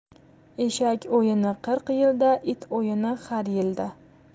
eshak o'yini qirq yilda it o'yini har yilda